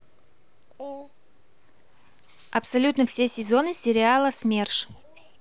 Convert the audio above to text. абсолютно все сезоны сериала смерш